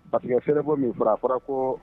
A tun sɛnɛfɔ min fara fara ko